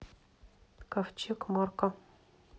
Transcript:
ковчег марка